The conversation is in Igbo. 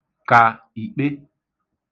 kà ìkpe